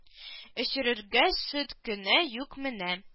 Эчерергә сөт кенә юк менә